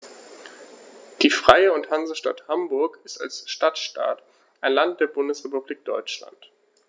Die Freie und Hansestadt Hamburg ist als Stadtstaat ein Land der Bundesrepublik Deutschland.